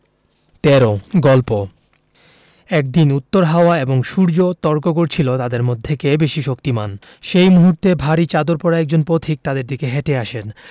১৩ গল্প একদিন উত্তর হাওয়া এবং সূর্য তর্ক করছিল তাদের মধ্যে কে বেশি শক্তিমান সেই মুহূর্তে ভারি চাদর পরা একজন পথিক তাদের দিকে হেটে আসেন